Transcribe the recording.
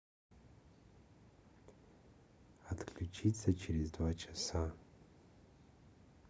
отключиться через два часа